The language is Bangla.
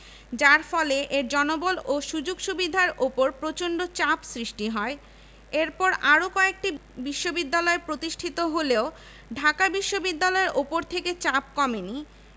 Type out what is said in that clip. ১৯৪৭ সালে ভারত বিভাগের পূর্বপর্যন্ত এ বিশ্ববিদ্যালয় এশিয়ার মধ্যে উচ্চশিক্ষার বিশিষ্ট আবাসিক প্রতিষ্ঠান হিসেবে গণ্য ছিল